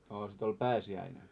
no sitten oli pääsiäinen